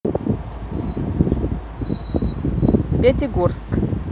пятигорск